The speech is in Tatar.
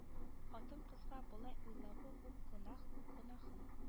Хатын-кызга болай уйлавы ук гөнаһ гөнаһын